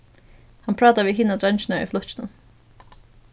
hann prátar við hinar dreingirnar í flokkinum